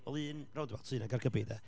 Wel, un roundabout sy 'na'n Gaergybi de.